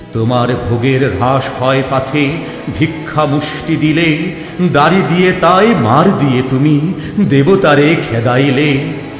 তোমার ভোগের হ্রাস হয় পাছে ভিক্ষা মুষ্টি দিলে দ্বারী দিয়ে তাই মার দিয়ে তুমি দেবতারে খেদাইলে